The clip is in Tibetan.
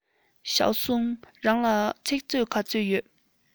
ཞའོ སུའུ རང ལ ཚིག མཛོད ག ཚོད ཡོད